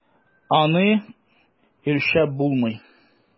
Аны үлчәп булмый.